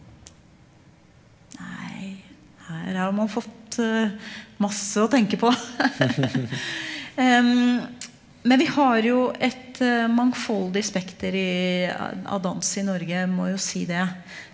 nei her har man fått masse å tenke på men vi har jo et mangfoldig spekter i av dans i Norge, må jo si det.